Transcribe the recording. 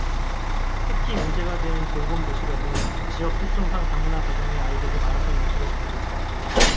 특히 문제가 된 돌봄교실에는 지역 특성상 다문화 가정의 아이들이 많았던 것으로 전해졌다